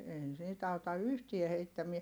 ei niitä auta yhtään heittämään